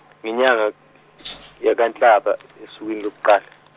ngenyanga yakaNhlaba esukwini lokuqala.